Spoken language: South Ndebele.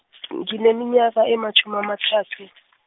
ngineminyaka ematjhumi amathathu.